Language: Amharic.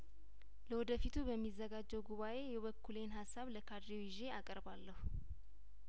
ለወደፊቱ በሚዘጋጀው ጉባኤ የበኩሌን ሀሳብ ለካድሬው ይዤ አቀርባለሁ